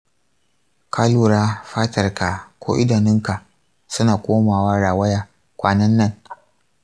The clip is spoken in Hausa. ka lura fatarka ko idanunka suna komawa rawaya kwanan nan?